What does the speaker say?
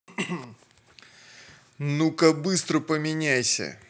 ну ка быстро поменяйся